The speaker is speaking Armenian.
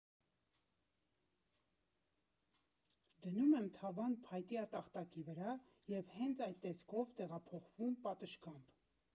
Դնում եմ թավան փայտյա տախտակի վրա և հենց այդ տեսքով տեղափոխվում պատշգամբ։